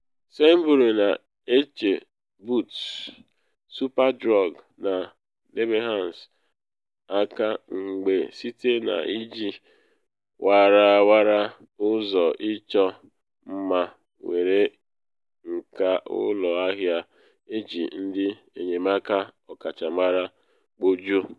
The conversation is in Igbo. Sainbury na eche Boots, Superdrug na Debenhams aka mgba site na iji warawara ụzọ ịchọ mma nwere nka-ụlọ ahịa eji ndị enyemaka ọkachamara kpojuo.